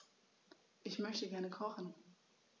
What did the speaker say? Ich möchte gerne kochen.